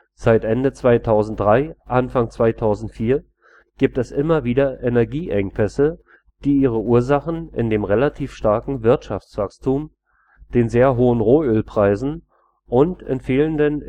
Seit Ende 2003 / Anfang 2004 gibt es immer wieder Energieengpässe, die ihre Ursachen in dem relativ starken Wirtschaftswachstum, den sehr hohen Rohölpreisen und in fehlenden